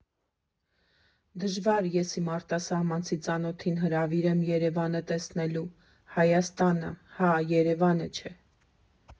Դժվար ես իմ արտասահմանցի ծանոթին հրավիրեմ Երևանը տեսնելու, Հայաստանը՝ հա, Երևանը՝ չէ։